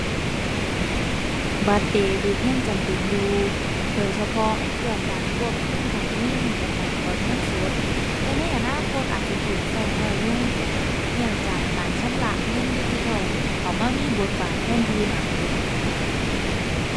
บัตรเดบิตยังจำเป็นอยู่ โดยเฉพาะเพื่อการควบคุมการเงินและการถอนเงินสด แต่ในอนาคตอาจสิถูกถูกน้อยลง เนื่องจากการชำระเงินดิจิทัลนี่ เข้ามามีบทบาทแทนที่มากขึ้น